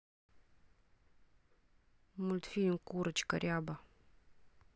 мультфильм курочка ряба